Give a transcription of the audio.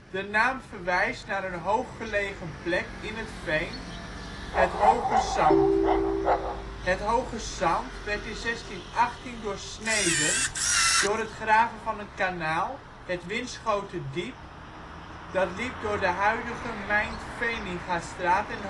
De naam verwijst naar een hooggelegen plek in het veen, het Hooge Sandt. Het Hooge Sandt werd in 1618 doorsneden door het graven van een kanaal, het Winschoterdiep (dat liep door de huidige Meint Veningastraat en